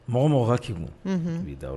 Mɔgɔ mɔgɔ ka k'i kun u b'i da